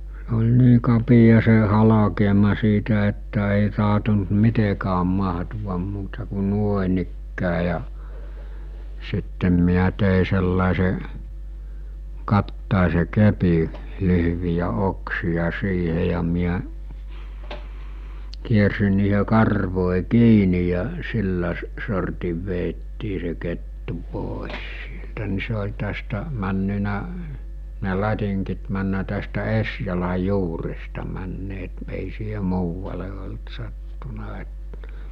se oli niin kapea se halkeama siitä että ei tahtonut mitenkään mahtua muuta kuin noinikään ja sitten minä tein sellaisen katajaisen kepin lyhyitä oksia siihen ja minä kiersin niihin karvoihin kiinni ja sillä - sortin vedettiin se kettu pois sieltä niin se oli tästä mennyt ne latingit mennyt tästä esijalan juuresta menneet ei siihen muualle ollut sattunut että